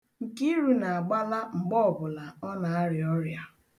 Nkeiru na-agbala mgbe ọbụla ọ na-arịa ọrịa.